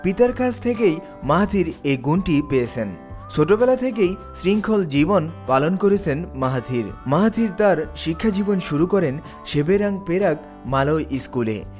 পিতার কাছ থেকে মাহাথির এ গুণটি পেয়েছেন ছোটবেলা থেকেই শৃংখল জীবন পালন করেছেন মাহাথির মাহাথির তার শিক্ষাজীবন শুরু করেন সেবেরাং পেরাক মালয় স্কুলে